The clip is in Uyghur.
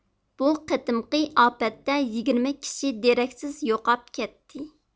بۇ قېتىمقى ئاپەتتە يىگىرمە كىشى دېرەكسىز يوقاپ كەتتى